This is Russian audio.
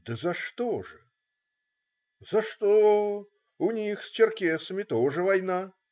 "- "Да за что же?" - "За что? У них с черкесами тоже война.